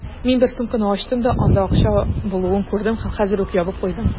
Мин бер сумканы ачтым да, анда акча булуын күрдем һәм хәзер үк ябып куйдым.